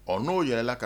Ɔ, n'o yɛlɛla ka